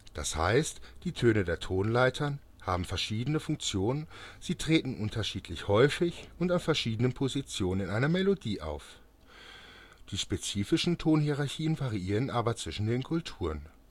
d.h., die Töne der Tonleiter haben verschiedene Funktionen, sie treten unterschiedlich häufig und an verschiedenen Positionen in einer Melodie auf. Die spezifischen Tonhierarchien variieren aber zwischen den Kulturen